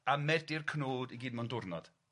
A medi'r cnwd i gyd mewn diwrnod.